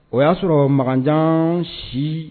O y'a sɔrɔ makanjan si